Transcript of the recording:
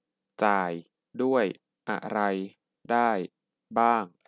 จ่ายด้วยอะไรได้บ้าง